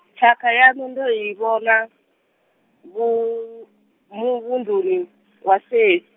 thakha yaṋu ndo i vhona, vu- muvhunduni wa se-.